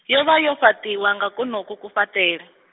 yo vha yo fhaṱiwa nga kwonoku kufhaṱele.